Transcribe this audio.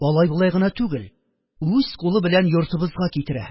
Алай-болай гына түгел, үз кулы белән йортыбызга китерә,